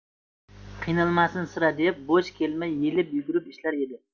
qiynalmasin sira deb bo'sh kelmay yelib yugurib ishlar edi